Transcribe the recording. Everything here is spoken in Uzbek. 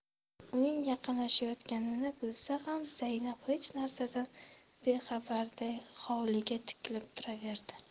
uning yaqinlashayotganini bilsa ham zaynab hech narsadan bexabarday hovliga tikilib turaverdi